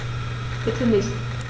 Bitte nicht.